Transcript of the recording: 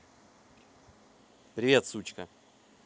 привет сучка